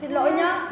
xin lỗi nhớ